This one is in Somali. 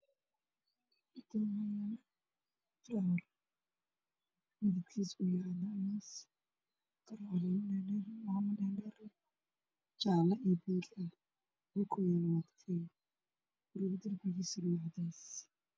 Waa koob dheer oo cadaan ah waxaa ku jira ubax cagaar ah oo caleemo dhaadheer